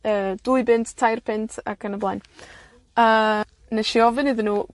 yy dwy bunt, tair punt, ac yn y blaen. A nesh i ofyn iddyn nw